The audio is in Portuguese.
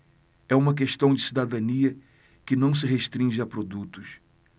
é uma questão de cidadania que não se restringe a produtos